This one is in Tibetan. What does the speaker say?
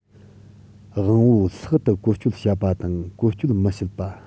དབང པོ ལྷག ཏུ བཀོལ སྤྱོད བྱེད པ དང བཀོལ སྤྱོད མི བྱེད པ